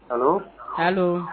Paul h